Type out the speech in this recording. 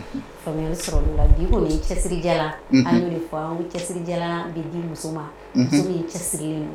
Famuyali sɔrɔ la u la bi kɔni cɛsirijala an b'o de fɔ cɛsirijala bɛ di muso ma muso min cɛsirilen do.